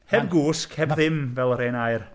Heb gwsg, heb ddim fel yr hen air.